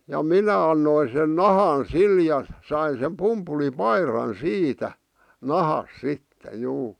ja minä annoin sen nahan sille ja sain sen pumpulipaidan siitä nahasta sitten juu